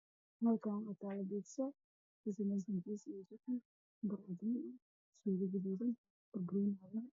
Halkan waxaa yaalla pizza midabkiis yahay jaal waxaa ag yaalla qaada cadaan